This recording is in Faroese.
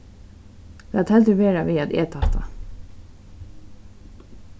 lat heldur vera við at eta hatta